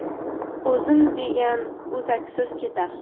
o'zim degan o'zaksiz ketar